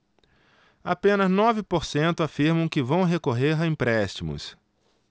apenas nove por cento afirmam que vão recorrer a empréstimos